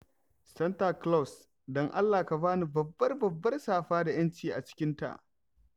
Santa Claus, don Allah ka ba ni babbar babbar safa da 'yanci a cikinta.